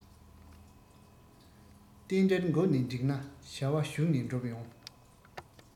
རྟེན འབྲེལ མགོ ནས འགྲིག ན བྱ བ གཞུག ནས འགྲུབ ཡོང